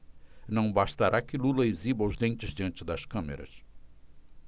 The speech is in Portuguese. não bastará que lula exiba os dentes diante das câmeras